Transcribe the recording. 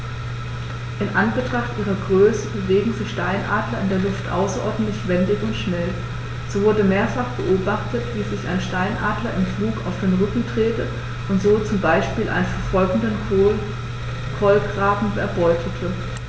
In Anbetracht ihrer Größe bewegen sich Steinadler in der Luft außerordentlich wendig und schnell, so wurde mehrfach beobachtet, wie sich ein Steinadler im Flug auf den Rücken drehte und so zum Beispiel einen verfolgenden Kolkraben erbeutete.